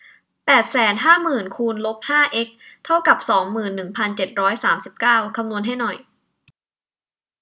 แปดแสนห้าหมื่นคูณลบห้าเอ็กซ์เท่ากับสองหมื่นหนึ่งพันเจ็ดร้อยสามสิบเก้าคำนวณให้หน่อย